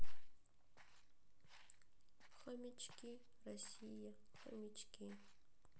хомячки россия хомячки